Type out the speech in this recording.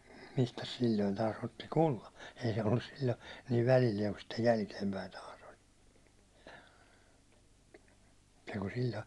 mistäs silloin taas otti kullan ei se ollut silloin niin välillään kuin sitten jälkeenpäin taas oli niin kuin silloin